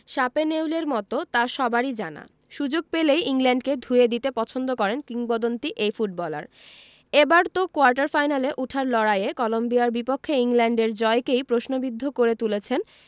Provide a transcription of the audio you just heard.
শাপে নেউলের মতো তা সবারই জানা সুযোগ পেলেই ইংল্যান্ডকে ধুয়ে দিতে পছন্দ করেন কিংবদন্তি এই ফুটবলার এবার তো কোয়ার্টার ফাইনালে ওঠার লড়াইয়ে কলম্বিয়ার বিপক্ষে ইংল্যান্ডের জয়কেই প্রশ্নবিদ্ধ করে তুলেছেন